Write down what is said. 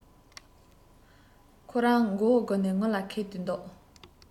ཁོ རང མགོ བོ མགུར ནས ངུ ལ ཁས དུ འདུག